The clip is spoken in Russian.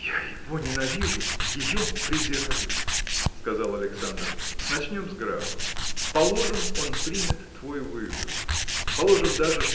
– Я его ненавижу, ее презираю, – сказал Александр. – Начнем с графа положим он примет твой вызов положим даже